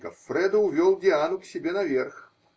Гоффредо увел Диану к себе наверх.